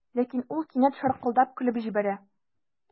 Ләкин ул кинәт шаркылдап көлеп җибәрә.